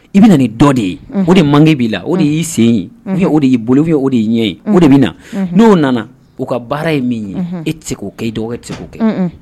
I bɛ na nin dɔ de ye o de mange b'i o de y'i sen o de y'i bolo ye o dei ɲɛ ye o de bɛ na n'o nana u ka baara ye min ye e tɛ k'o kɛ i dɔgɔ tɛ k'o kɛ